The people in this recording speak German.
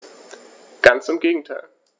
Ganz im Gegenteil.